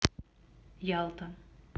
ялта